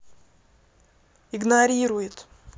игнорирует